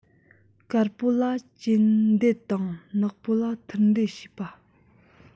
དཀར པོ ལ གྱེན འདེད དང ནག པོ ལ ཐུར འདེད བྱེད པ